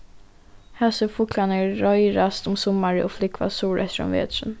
hasir fuglarnir reiðrast um summarið og flúgva suðureftir um veturin